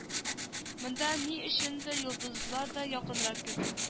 Монда ни өчендер йолдызлар да якынрак кебек